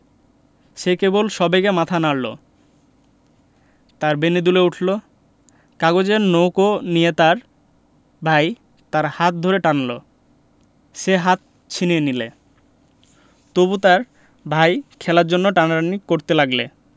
সে কেবল সবেগে মাথা নাড়ল তার বেণী দুলে উঠল কাগজের নৌকো নিয়ে তার ভাই তার হাত ধরে টানল সে হাত ছিনিয়ে নিলে তবু তার ভাই খেলার জন্যে টানাটানি করতে লাগলে